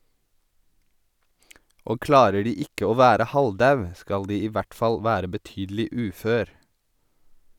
Og klarer de ikke å være halvdau, skal de i hvert fall være betydelig ufør.